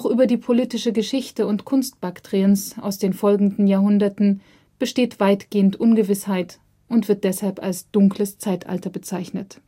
über die politische Geschichte und Kunst Baktriens aus den folgenden Jahrhunderten besteht weitgehend Ungewissheit und wird deshalb als Dunkles Zeitalter bezeichnet